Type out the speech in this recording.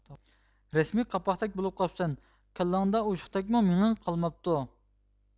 رەسمىي قاپاقتەك بولۇپ قاپسەن كاللاڭدا ئوشۇقتەكمۇ مېڭەڭ قالماپتۇ